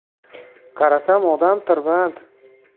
qarasam odam tirband